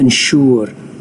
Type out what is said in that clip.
yn siŵr